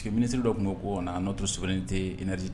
Minisiri dɔ tun' koo na n'o to s tɛ hinɛreti